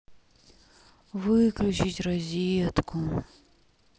выключить розетку